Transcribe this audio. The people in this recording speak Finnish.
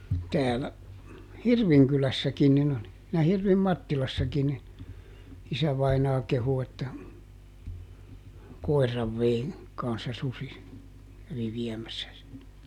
täällä Hirvinkylässäkin niin oli ja Hirvin Mattilassakin niin isävainaa kehui että koiran vei kanssa susi kävi viemässä sen